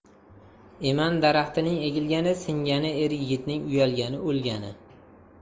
eman daraxtining egilgani singani er yigitning uyalgani o'lgani